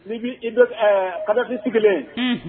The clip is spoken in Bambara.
N' i bɛ kalodi sigilen